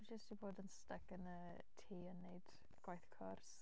Dwi jyst 'di bod yn styc yn y tŷ yn wneud gwaith cwrs.